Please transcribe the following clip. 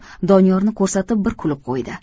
doniyorni ko'rsatib bir kulib qo'ydi